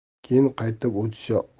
keyin qaytib o'tisha